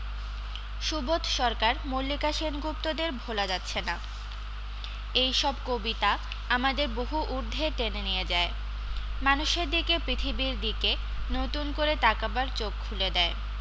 সুবোধ সরকার মল্লিকা সেনগুপ্তদের ভোলা যাচ্ছে না এই সব কবিতা আমাদের বহু ঊর্ধ্বে টেনে নিয়ে যায় মানুষের দিকে পৃথিবীর দিকে নতুন করে তাকাবার চোখ খুলে দেয়